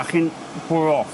A chi'n bwrw off.